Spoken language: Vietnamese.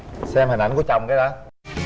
xem hình ảnh của chồng cái đã